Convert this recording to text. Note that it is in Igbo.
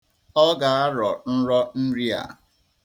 Ọ ga-arọ nrọ nri a.